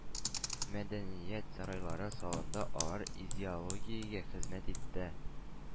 Мәдәният сарайлары салынды, алар идеологиягә хезмәт итте.